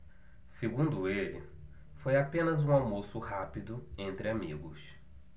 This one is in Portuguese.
segundo ele foi apenas um almoço rápido entre amigos